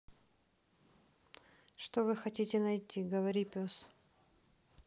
что вы хотите найти говори пес